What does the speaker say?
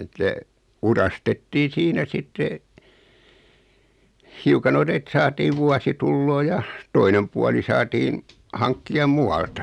että uurastettiin siinä sitten hiukan noin että saatiin vuosituloa ja toinen puoli saatiin hankkia muualta